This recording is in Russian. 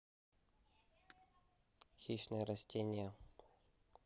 хищные растения